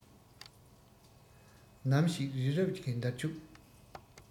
ནམ ཞིག རི རབ ཀྱི འདར ལྕུག